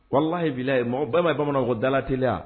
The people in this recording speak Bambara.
Walala ye' ye mɔgɔ ba ye bamanan ko dalaeliya